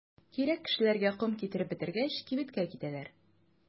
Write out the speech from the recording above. Кирәк кешеләргә ком китереп бетергәч, кибеткә китәләр.